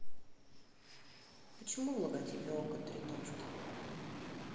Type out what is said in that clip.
почему в логотипе окко три точки